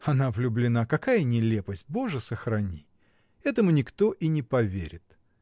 Она влюблена — какая нелепость, Боже сохрани! Этому никто и не поверит.